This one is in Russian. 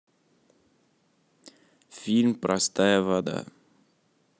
фильм простая вода